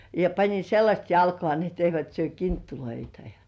ja panin sellaiset jalkaan niin että eivät syö kinttuja ja